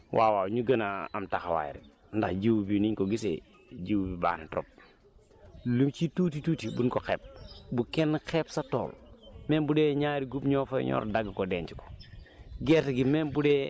ci tool yi waaw waaw ñu gën a am taxawaay rek ndax jiw bi niñ ko gisee jiw bu baax la trop luñ ci tuuti tuuti buñ ko xeeb bu kenn xeeb sa tool même bu dee ñaari guub ñoo fay ñor dagg ko denc ko